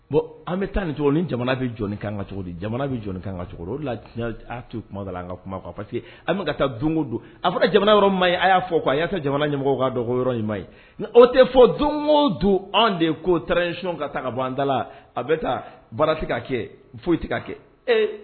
Bon an bɛ taa ni cogo ni jamana bɛ jɔn kan ka cogo jamana bɛ jɔn kan ka cogo la to kuma an ka kuma pa que taa donko don a fɔra jamana yɔrɔma ye a y'a fɔ ko a y'a jamana ɲɛmɔgɔ ka dɔgɔ yɔrɔ ma ye o tɛ fɔ don o don anw de ko taaracɔn ka taa ka bɔ an dala la a bɛ taa baara tɛ k ka kɛ foyi tɛ ka kɛ e